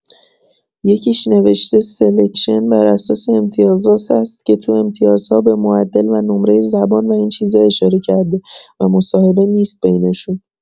یکیش نوشته سلکشن بر اساس امتیازات هست که تو امتیازها به معدل و نمره زبان و این چیزا اشاره کرده و مصاحبه نیست بینشون.